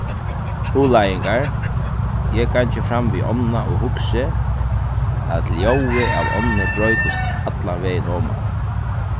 hugleiðingar eg gangi fram við ánna og hugsi at ljóðið av ánni broytist allan vegin oman